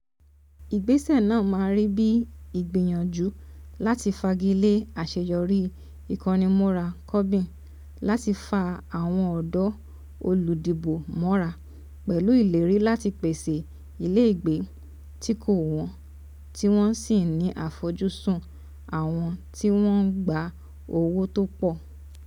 Ìgbéṣẹ́ náa máa rí bíi ìgbìyànjú láti fagilé àṣeyọrí ìkónimọ́ra Corbyn láti fa àwọn ọ̀dọ́ olùdìbò mọ́ra pẹ̀lú ìlérí láti pèsè ilégbèé tí kò wọ́n tí wọ́n sì ní àfojúsun àwọn tí wọ́n ń gba owó tó pọ̀.